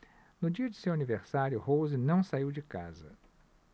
no dia de seu aniversário rose não saiu de casa